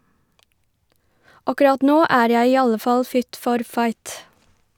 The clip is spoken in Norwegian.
Akkurat nå er jeg i alle fall fit for fight.